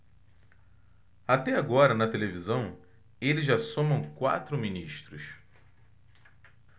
até agora na televisão eles já somam quatro ministros